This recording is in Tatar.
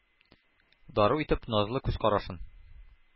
Дару итеп назлы күз карашын,